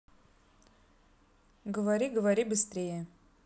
говори говори быстрее